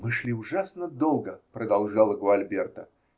-- Мы шли ужасно долго, -- продолжала Гуальберта.